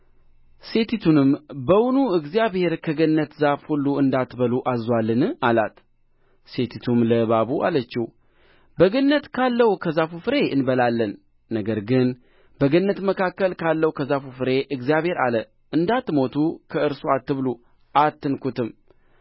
ሴቲቱንም በውኑ እግዚአብሔር ከገነት ዛፍ ሁሉ እንዳትበሉ አዝዞአልን አላት ሴቲቱም ለእባቡ አለችው በገነት ካለው ከዛፍ ፍሬ እንበላለን ነገር ግን በገነት መካከል ካለው ከዛፉ ፍሬ እግዚአብሔር አለ እንዳትሞቱ ከእርሱ አትብሉ አትንኩትም